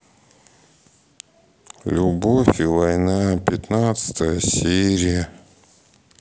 любовь и война пятнадцатая серия